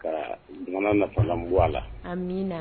Kaa ŋunan nafalan bo a la amina